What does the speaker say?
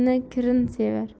nomardni kirn sevar